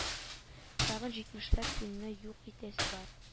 Тагын җитмешләп финны юк итәсе бар